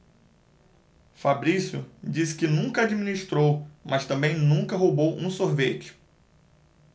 fabrício disse que nunca administrou mas também nunca roubou um sorvete